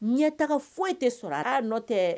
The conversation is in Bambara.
Ɲɛ taga foyi tɛ sɔrɔ a'a nɔ tɛ